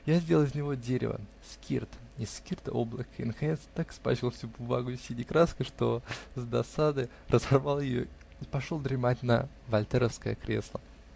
я сделал из него дерево -- скирд, из скирда -- облако и наконец так испачкал всю бумагу синей краской, что с досады разорвал ее и пошел дремать на вольтеровское кресло.